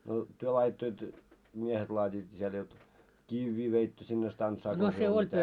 no te laaditte jotta miehet laativat mitä lie jotta kiviä veitte sinne stantsaan tai siellä mitä